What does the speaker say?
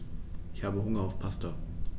Ich habe Hunger auf Pasta.